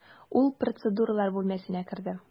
Ул процедуралар бүлмәсенә керде.